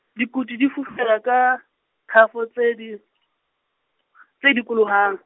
dikutu di fefuwa ka, -khafo tse di- , tse dikolohang.